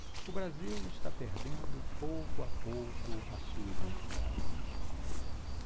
o brasil está perdendo pouco a pouco a sua identidade